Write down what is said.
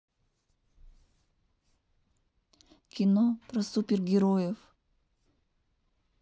кино про супергероев